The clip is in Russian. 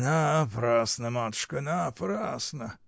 — Напрасно, матушка, напрасно!